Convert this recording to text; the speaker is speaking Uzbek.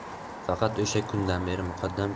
faqat o'sha kundan beri muqaddam